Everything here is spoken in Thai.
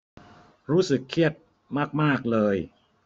รู้สึกเครียดมากมากเลย